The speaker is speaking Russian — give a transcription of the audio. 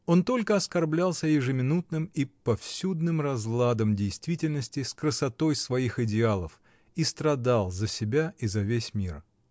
Он только оскорблялся ежеминутным и повсюдным разладом действительности с красотой своих идеалов и страдал за себя и за весь мир.